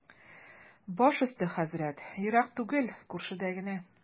Баш өсте, хәзрәт, ерак түгел, күршедә генә.